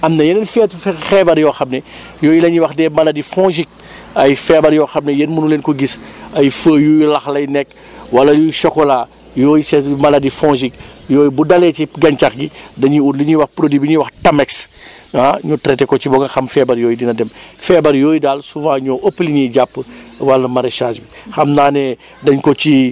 am na yeneen yoo xam ne yooyu la ñuy wax des maladies fongiques ay feebar yoo xam ne yéen mënu leen ko gis ay feuilles yuy lax lay nekk wala yuy chocolat yooyu c' est une maladie fongique yooyu bu dalee ci gàncax gi dañuy ut li ñuy wax produit bu ñuy wax tamex ah ñu traité ko ci ba nga xam feebar yooyu dina dem feebar yooyu daal souvent ñoo ëpp li ñuy jàpp wàllu maraîchage bi xam naa ne dañ ko ciy